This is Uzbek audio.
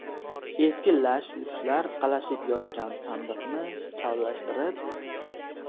eski lash lushlar qalashib yotgan sandiqni kavlashtirib